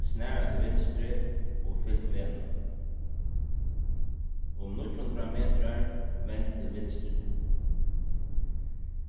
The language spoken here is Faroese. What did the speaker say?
snara til vinstru og fylg vegnum um níggju hundrað metrar vend til vinstru